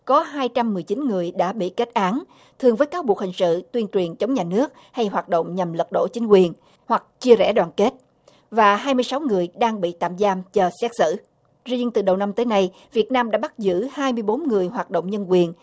có hai trăm mười chín người đã bị kết án thường với cáo buộc hình sự tuyên truyền chống nhà nước hay hoạt động nhằm lật đổ chính quyền hoặc chia rẽ đoàn kết và hai mươi sáu người đang bị tạm giam chờ xét xử riêng từ đầu năm tới nay việt nam đã bắt giữ hai mươi bốn người hoạt động nhân quyền